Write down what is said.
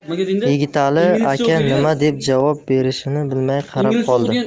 yigitali aka nima deb javob berishini bilmay qarab qoldi